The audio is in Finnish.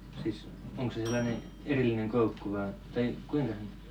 siis onko se sellainen erillinen koukku vain tai kuinka se nyt